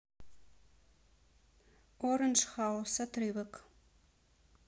орандж хаус отрывок